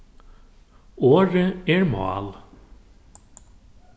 orðið er mál